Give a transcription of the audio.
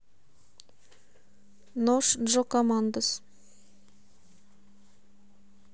нож джокомандо